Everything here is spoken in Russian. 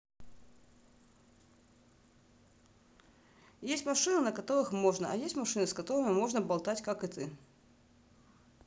есть машины на которых можно а есть машины с которыми можно болтать как и ты